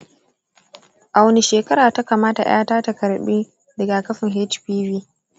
a wani shekara ta kamata yata ta karɓa rigakafin hpv